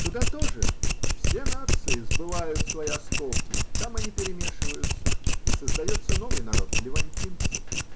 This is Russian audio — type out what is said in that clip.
Туда тоже все нации сбывают свои осколки, там они перемешиваются, и создается новый народ -- левантинцы.